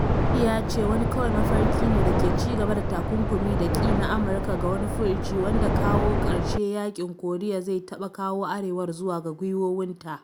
Ri ya ce wani kawai “mafarki ne” da ke ci gaba da takunkumi da ki na Amurka ga wani furuci wanda kawo ƙarshen Yaƙin Koriya zai taɓa kawo Arewar zuwa ga gwiwowinta.